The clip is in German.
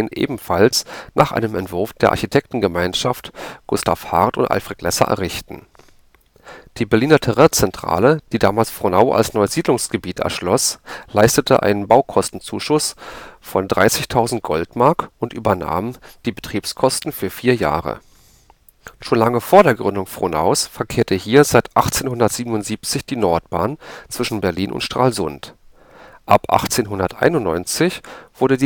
ebenfalls nach einem Entwurf der Architektengemeinschaft Gustav Hart & Alfred Lesser errichten. Die Berliner Terrain-Centrale, die damals Frohnau als neues Siedlungsgebiet erschloss, leistete einen Baukostenzuschuss von 30.000 Goldmark und übernahm die Betriebskosten für vier Jahre. Schon lange vor der Gründung Frohnaus verkehrte hier seit 1877 die Nordbahn zwischen Berlin und Stralsund. Ab 1891 wurde